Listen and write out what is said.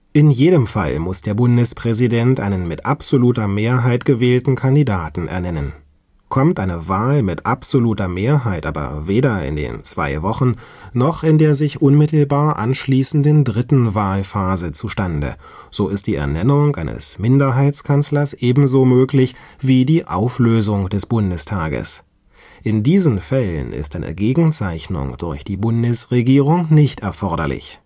In jedem Fall muss der Bundespräsident einen mit absoluter Mehrheit gewählten Kandidaten ernennen. Kommt eine Wahl mit absoluter Mehrheit aber weder in den zwei Wochen noch in der sich unmittelbar anschließenden dritten Wahlphase zustande, so ist die Ernennung eines Minderheitskanzlers ebenso möglich wie die Auflösung des Bundestages. In diesen Fällen ist eine Gegenzeichnung durch die Bundesregierung nicht erforderlich